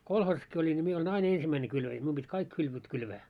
kolhoosissakin olin niin minä olin aina ensimmäinen kylväjä minun piti kaikki kylvöt kylvää